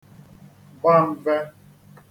gba m̄vē